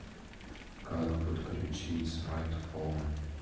как подключить смартфон